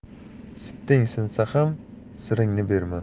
sitting sinsa ham siringni berma